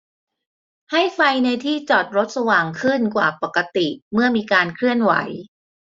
ให้ไฟในที่จอดรถสว่างขึ้นกว่าปกติเมื่อมีการเคลื่อนไหว